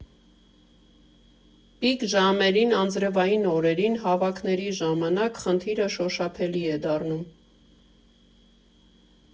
Պիկ ժամերին, անձրևային օրերին, հավաքների ժամանակ խնդիրը շոշափելի է դառնում։